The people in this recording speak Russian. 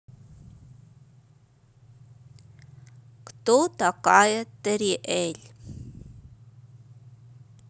кто такая ториэль